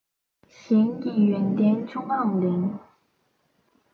གཞན གྱི ཡོན ཏན ཆུང ངུའང ལེན